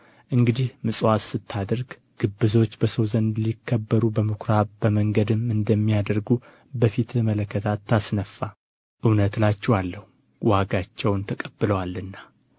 እንግዲህ ምጽዋት ስታደርግ ግብዞች በሰው ዘንድ ሊከበሩ በምኩራብ በመንገድም እንደሚያደርጉ በፊትህ መለከት አታስነፋ እውነት እላችኋለሁ ዋጋቸውን ተቀብለዋል